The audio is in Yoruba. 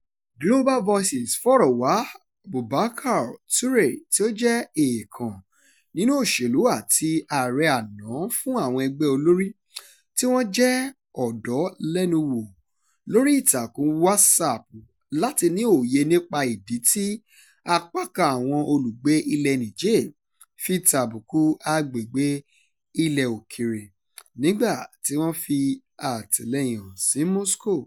Global Voices fọ̀rọ̀wá Boubacar Touré tí ó jẹ́ èèkàn nínú òṣèlú àti ààrẹ àná fún àwọn ẹgbẹ́ olórí tí wọ́n jẹ́ ọ̀dọ́ lẹ́nu wò lórí ìtàkùn Whatsapp láti ní òye nípa ìdí tí apá kan àwọn olùgbé ilẹ̀ Niger fi tàbùkù àgbègbè ilẹ̀ òkèèrè nígbà tí wọ́n ń fi àtìlẹ́yìn hàn sí Moscow.